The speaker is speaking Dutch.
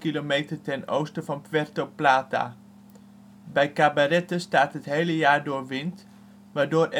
'n 35 km ten oosten van Puerto Plata. Bij Cabarete staat het hele jaar door wind, waardoor